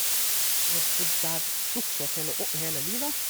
Og har bodd der stort sett hele å hele livet.